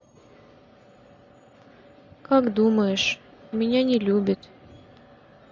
как думаешь меня не любит